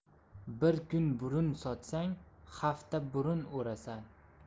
bir kun burun sochsang hafta burun o'rasan